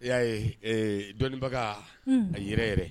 I y'a ye dɔnnibaga a yɛrɛ yɛrɛ